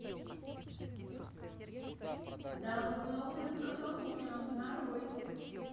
да была улыбка похожа нарой